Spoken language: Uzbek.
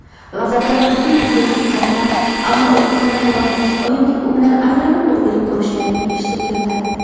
g'azabdan butun vujudim qaltirar ammo o'rnimdan turolmas oyimning u bilan aylanibo'rgilib ko'rishganini eshitib yotar edim